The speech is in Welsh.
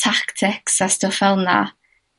tactics a stwff fel 'na.